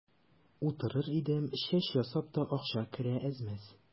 Утырыр идем, чәч ясап та акча керә әз-мәз.